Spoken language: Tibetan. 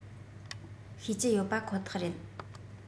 ཤེས ཀྱི ཡོད པ ཁོ ཐག རེད